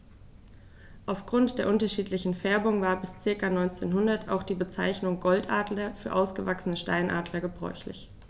Auf Grund der unterschiedlichen Färbung war bis ca. 1900 auch die Bezeichnung Goldadler für ausgewachsene Steinadler gebräuchlich.